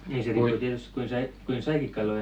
niin se riippui tietysti kuinka - kuinka saikin kaloja